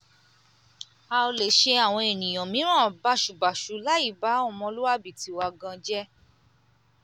A ò lè ṣe àwọn ènìyàn mìíràn báṣubàṣu láì ba ọmọlúwàbí tiwa gan jẹ́.